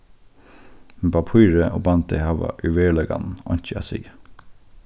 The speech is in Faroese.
men pappírið og bandið hava í veruleikanum einki at siga